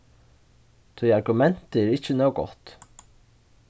tí argumentið er ikki nóg gott